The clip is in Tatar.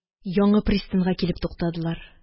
Яңы пристаньга килеп туктадылар.